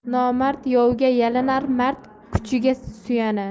nomard yovga yalinar mard kuchiga suyanar